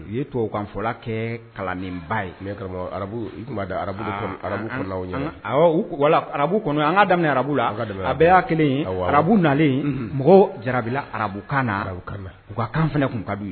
U ye tubabukan fɔla kɛ kalanne ba ye, mais karamɔkɔ arabu u tun m'a da arabu de, arabu kɔna aw ɲɛ wa? Awɔ u kun voilà Arabu kɔna, an ka daminɛ arabu la, a bɛɛ ya kelen ye, awɔ; arabu nalen, unhun, mɔgɔw jarabila arabukanna, arabukanna, u ka kan fana tun kad'u ye.